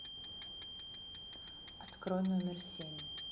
открой номер семь